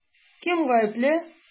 Кем гаепле?